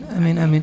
amiin amiin